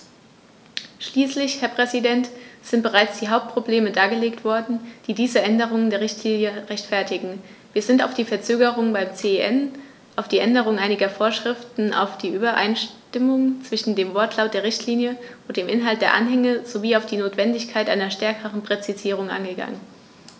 Schließlich, Herr Präsident, sind bereits die Hauptprobleme dargelegt worden, die diese Änderung der Richtlinie rechtfertigen, wir sind auf die Verzögerung beim CEN, auf die Änderung einiger Vorschriften, auf die Übereinstimmung zwischen dem Wortlaut der Richtlinie und dem Inhalt der Anhänge sowie auf die Notwendigkeit einer stärkeren Präzisierung eingegangen.